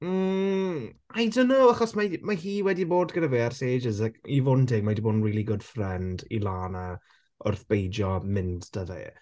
Mm I don't know achos mae mae hi wedi bod gyda fe ers ages, ac i fod yn deg mae 'di bod yn really good friend i Lana wrth beidio mynd 'da fe.